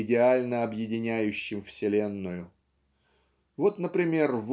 идеально объединяющем вселенную. Вот например